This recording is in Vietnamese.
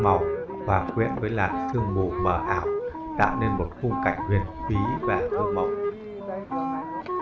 hòa quyện với làn sương mù mờ ảo tạo nên một khung cảnh huyền bí và thơ mộng